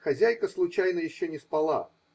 Хозяйка случайно еще не спала.